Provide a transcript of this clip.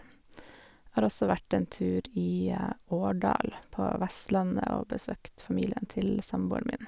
Har også vært en tur i Årdal, på Vestlandet, og besøkt familien til samboeren min.